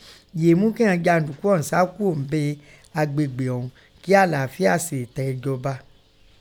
Yèé mu kin ọn janduku ọ̀ún sa kúò nbè agbegbe ọ̀ún, kí alaafia sèè tẹ jọba.